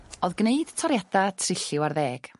o'dd gneud toriada trilliw ar ddeg.